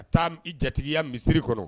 Ka taa i jatigiya misisiriri kɔnɔ